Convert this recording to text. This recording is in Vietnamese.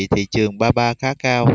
thị trường ba ba khá cao